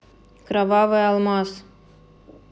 кровавый алмаз